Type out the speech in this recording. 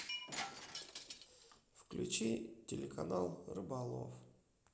включи телеканал рыболов